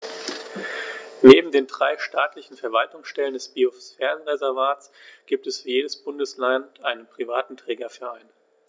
Neben den drei staatlichen Verwaltungsstellen des Biosphärenreservates gibt es für jedes Bundesland einen privaten Trägerverein.